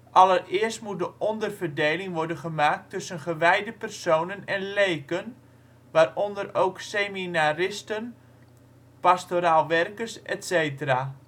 Allereerst moet de onderverdeling worden gemaakt tussen gewijde personen en leken (waaronder ook seminaristen, pastoraal werkers, etc.